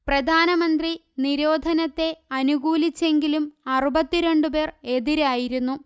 പ്രധാനമന്ത്രി നിരോധനത്തെ അനുകൂലിച്ചെങ്കിലും അറുപത്തിരണ്ടുപേർ എതിരായിരുന്നു